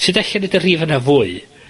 sud alla'i neud y rhif yna fwy?